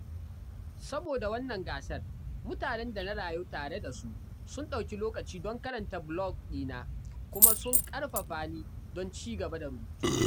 Saboda wannan gasar, mutanen da na rayu tare da su sun ɗauki lokaci don karanta blog ɗina kuma sun ƙarfafa ni don ci gaba da rubutu.